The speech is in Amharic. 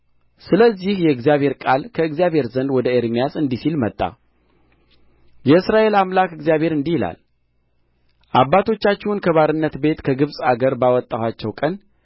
ስለዚህ የእግዚአብሔር ቃል ከእግዚአብሔር ዘንድ ወደ ኤርምያስ እንዲህ ሲል መጣ የእስራኤል አምላክ እግዚአብሔር እንዲህ ይላል አባቶቻችሁን ከባርነት ቤት ከግብጽ አገር ባወጣኋቸው ቀን